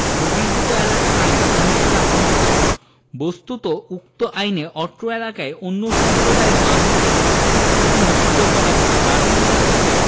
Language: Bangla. বহির্ভূত এলাকা আইন ১৯০০ রাখা হয়েছিল বস্তুত উক্ত আইনে অত্র এলাকায় অন্যান্য সম্প্রদায়ের মানুষের বসতী স্থাপন নিষিধ্ধ করা ছিল কারণ এটা ছিল